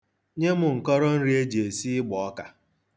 Nye m nkọrọnri e ji esi ịgḅoọka.